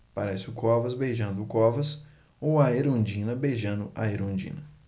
parece o covas beijando o covas ou a erundina beijando a erundina